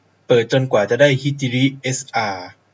เปิดจนกว่าจะได้ฮิจิริเอสอา